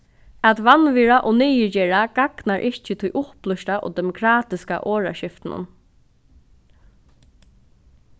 at vanvirða og niðurgera gagnar ikki tí upplýsta og demokratiska orðaskiftinum